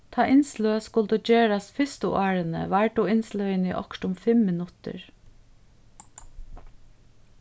tá innsløg skuldu gerast fyrstu árini vardu innsløgini okkurt um fimm minuttir